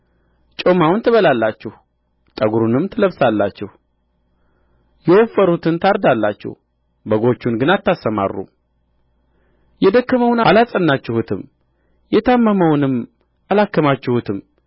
ጮማውን ትበላላችሁ ጠጕሩንም ትለብሳላችሁ የወፈሩትን ታርዳላችሁ በጎቹን ግን አታሰማሩም የደከመውን አላጸናችሁትም የታመመውንም አላከማችሁትም